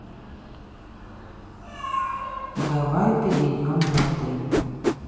давай перейдем на ты